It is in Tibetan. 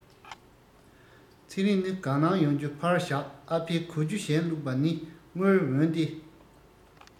ཚེ རིང ནི དགའ སྣང ཡོང རྒྱུ ཕར བཞག ཨ ཕའི གོ རྒྱུ གཞན བླུག པ ནི དངུལ འོན ཏེ